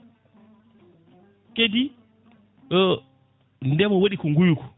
kadi ndeema waɗi ko nguluko